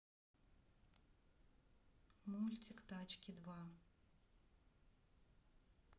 мультик тачки два